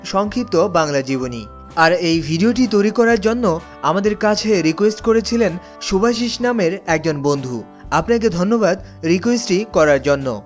বাংলা জীবনী আর এই ভিডিওটি তৈরি করার জন্য আমাদের কাছে রিকোয়েস্ট করেছিলেন শুভাশিস নামের একজন বন্ধু আপনাকে ধন্যবাদ রিকোয়েস্টই করার জন্য